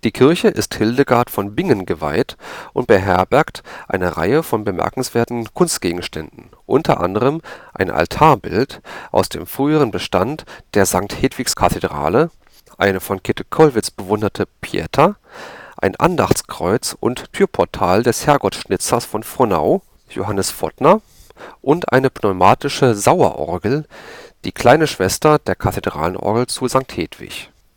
Kirche ist Hildegard von Bingen geweiht und beherbergt eine Reihe von bemerkenswerten Kunstgegenständen, unter anderem ein Altarbild aus dem früheren Bestand der Sankt-Hedwigs-Kathedrale, eine von Käthe Kollwitz bewunderte Pietà, ein Andachtskreuz und Türportal des „ Herrgottschnitzers von Frohnau “– Johannes Lotter – und eine pneumatische Sauer-Orgel, die „ kleine Schwester “der Kathedralorgel zu St. Hedwig